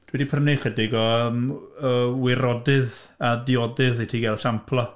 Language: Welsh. Dwi 'di prynu chydig o yym yy wirodydd a diodydd i ti gael samplo.